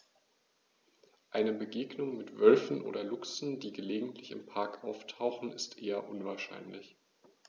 Eine Begegnung mit Wölfen oder Luchsen, die gelegentlich im Park auftauchen, ist eher unwahrscheinlich.